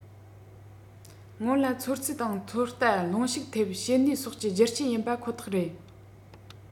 སྔོན ལ ཚོད རྩིས དང ཚོད ལྟ རླུང ཤུགས ཐེབས བྱེད ནུས སོགས ཀྱི རྒྱུ རྐྱེན ཡིན པ ཁོ ཐག རེད